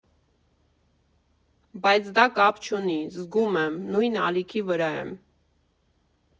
Բայց դա կապ չունի, զգում եմ՝ նույն ալիքի վրա եմ։